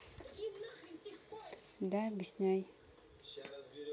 да объясняй